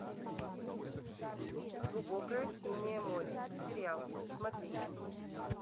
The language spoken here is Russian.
глубокое синее море сериал смотреть